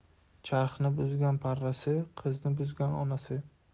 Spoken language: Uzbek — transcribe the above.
charxni buzgan parrasi qizni buzgan onasi